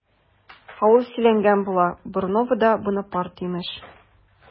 Ә ул сөйләнгән була, Бруновода Бунапарте имеш!